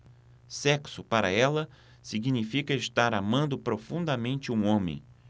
sexo para ela significa estar amando profundamente um homem